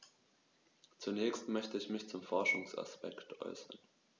Zunächst möchte ich mich zum Forschungsaspekt äußern.